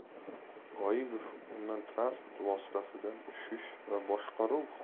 g'oibov undan transport vositasidan tushish va boshqaruv